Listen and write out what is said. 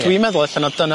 a dwi'n meddwl ella na dyna